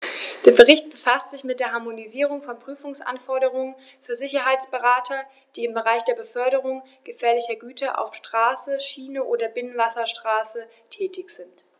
Der Bericht befasst sich mit der Harmonisierung von Prüfungsanforderungen für Sicherheitsberater, die im Bereich der Beförderung gefährlicher Güter auf Straße, Schiene oder Binnenwasserstraße tätig sind.